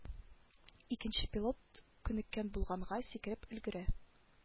Икенче пилот күнеккән булганга сикереп өлгерә